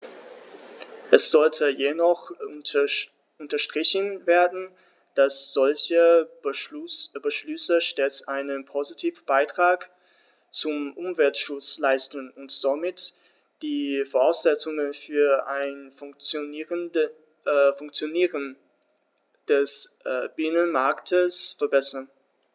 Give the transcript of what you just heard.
Es sollte jedoch unterstrichen werden, dass solche Beschlüsse stets einen positiven Beitrag zum Umweltschutz leisten und somit die Voraussetzungen für ein Funktionieren des Binnenmarktes verbessern.